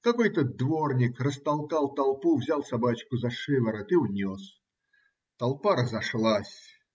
Какой-то двор ник растолкал толпу, взял собачку за шиворот и унес. Толпа разошлась.